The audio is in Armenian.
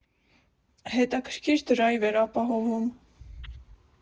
Հետաքրքիր դրայվ էր ապահովում։